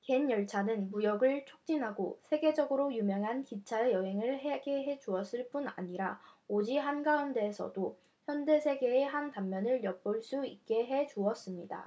갠 열차는 무역을 촉진하고 세계적으로 유명한 기차 여행을 하게 해 주었을 뿐 아니라 오지 한가운데에서도 현대 세계의 한 단면을 엿볼 수 있게 해 주었습니다